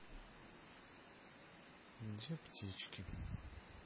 где птички